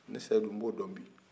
ne sedu n b'o dɔn bi